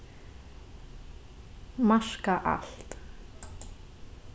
marka alt